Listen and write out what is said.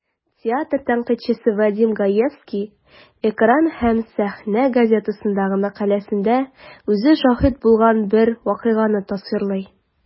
Театр тәнкыйтьчесе Вадим Гаевский "Экран һәм сәхнә" газетасындагы мәкаләсендә үзе шаһит булган бер вакыйганы тасвирлый.